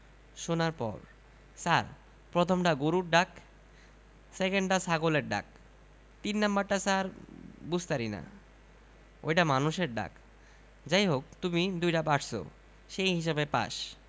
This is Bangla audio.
শোনার পর ছার প্রথমডা গরুর ডাক সেকেন ডা ছাগলের ডাক তিন নাম্বারডা ছার বুঝতারিনা ওইডা মানুষের ডাক যাই হোক তুমি দুইডা পারছো সেই হিসেবে পাস